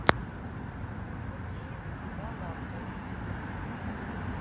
какие у меня лампы